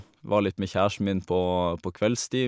Var litt med kjæresten min på på kveldstid.